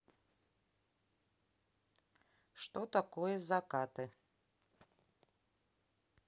что такое закаты